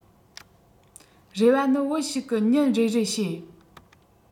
རེ བ ནི བུ ཞིག གིས ཉིན རེ རེ བཤད